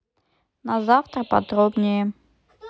на завтра подробнее